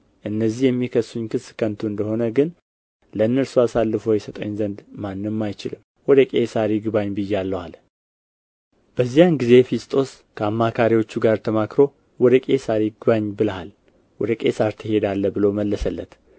እነዚህ የሚከሱኝ ክስ ከንቱ እንደሆነ ግን ለእነርሱ አሳልፎ ይሰጠኝ ዘንድ ማንም አይችልም ወደ ቄሳር ይግባኝ ብዬአለሁ አለ በዚያን ጊዜ ፊስጦስ ከአማካሪዎቹ ጋር ተማክሮ ወደ ቄሳር ይግባኝ ብለሃል ወደ ቄሳር ትሄዳለህ ብሎ መለሰለት